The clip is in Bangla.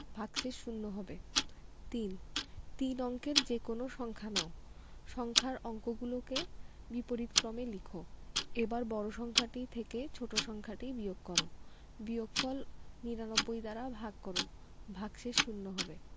ভাগশেষ শূন্য হবে ৩ তিন অঙ্কের যেকোনো সংখ্যা নাও সংখ্যার অঙ্কগুলোকে বিপরীতক্রমে লিখ এবার বড় সংখ্যাটি থেকে ছোট সংখ্যাটি বিয়োগ কর বিয়োগফল ৯৯ দ্বারা ভাগ কর ভাগশেষ শূন্য হবে